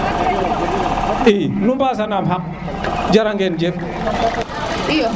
i nu mbasanan xaq jaragen jef